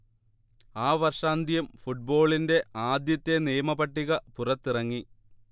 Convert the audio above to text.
ആ വർഷാന്ത്യം ഫുട്ബോളിന്റെ ആദ്യത്തെ നിയമ പട്ടിക പുറത്തിറങ്ങി